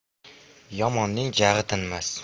yomonning jag'i tinmas